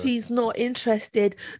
She's not interested.